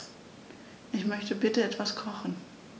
Ich möchte bitte etwas kochen.